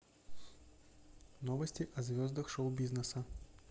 новости о звездах шоу бизнеса